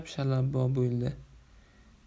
shalabbo bo'ldi